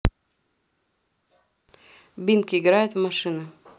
бинг играет в машины